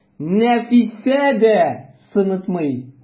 Нәфисә дә сынатмый.